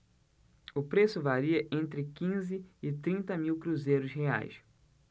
o preço varia entre quinze e trinta mil cruzeiros reais